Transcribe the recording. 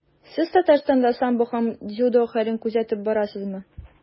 Сез Татарстанда самбо һәм дзюдо хәлен күзәтеп барасызмы?